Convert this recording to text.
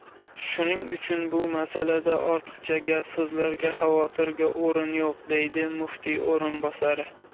shuning uchun bu masalada ortiqcha gap so'zlarga xavotirga o'rin yo'q dedi muftiy o'rinbosari